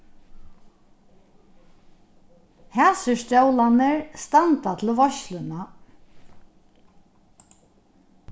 hasir stólarnir standa til veitsluna